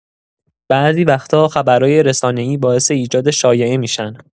بعضی وقتا خبرای رسانه‌ای باعث ایجاد شایعه می‌شن.